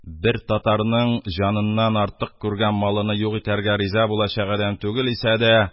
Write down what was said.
Бер татарның җаныннан артык күргән малыны юк итәргә риза булачак адәм түгел исә дә,